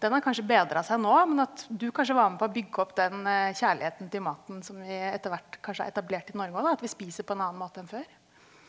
den har kanskje bedra seg nå, men at du kanskje var med på å bygge opp den kjærligheten til maten som vi etter hvert kanskje har etablert i Norge og da, at vi spiser på en annen måte enn før.